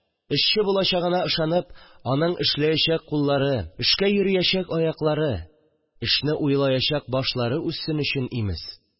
Эшче булачагына ышанып, аның эшләячәк куллары, эшкә йөреячәк аяклары, эшне уйлаячак башлары үссен өчен имез